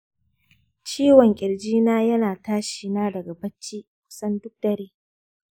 ciwon ƙirji na yana tashi na daga bacci kusan duk dare.